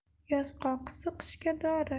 yoz qoqisi qishga dori